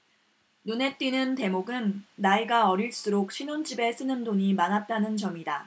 눈에 띄는 대목은 나이가 어릴수록 신혼집에 쓰는 돈이 많았다는 점이다